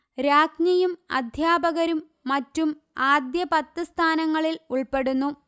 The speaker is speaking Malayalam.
രാജ്ഞിയും അദ്ധ്യാപകരും മറ്റും ആദ്യ പത്ത് സ്ഥാനങ്ങളിൽ ഉൾപ്പെടുന്നു